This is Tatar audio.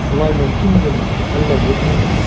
Болай мөмкин идеме, әллә юкмы?